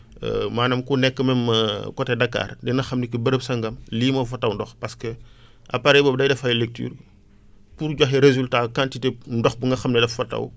maanaam ku nekk même côté Dakar dana xam ni que béréb sangam lii moo fa taw ndox parce que appareil boobu day def ay lectures pour joxe résultats quantité ndox bu nga xam ne daf fa taw